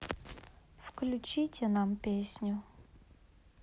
включите нам песню